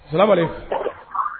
Nama